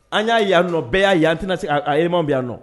An y'a yan nɔ bɛɛ y'a yan an tɛna se a e bɛ yan nɔ